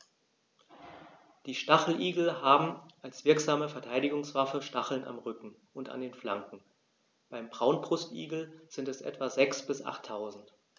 Die Stacheligel haben als wirksame Verteidigungswaffe Stacheln am Rücken und an den Flanken (beim Braunbrustigel sind es etwa sechs- bis achttausend).